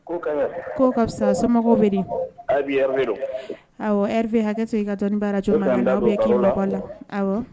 Fisa so bɛ hakɛ i ka dɔɔnin baara cogo la